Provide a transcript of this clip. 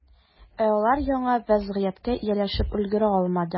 Ә алар яңа вәзгыятькә ияләшеп өлгерә алмады.